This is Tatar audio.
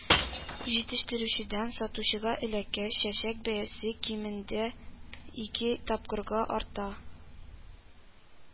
Җитештерүчедән сатучыга эләккәч, чәчәк бәясе кимендә ике тапкырга арта